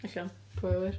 Ella, pwy a wyr?.